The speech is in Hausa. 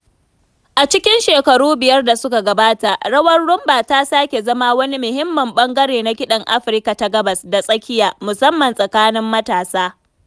A cikin shekaru biyar da suka gabata, rawar Rhumba ta sake zama wani muhimmin ɓangare na kiɗan Afirka ta Gabas da Tsakiya, musamman tsakanin matasa.